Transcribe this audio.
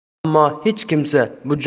ammo hech kimsa bu